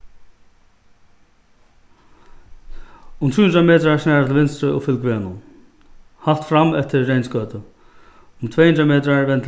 um trý hundrað metrar snara til vinstru og fylg vegnum halt fram eftir reynsgøtu um tvey hundrað metrar vend